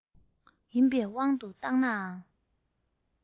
ཡིན བའི དབང དུ བཏང ནའང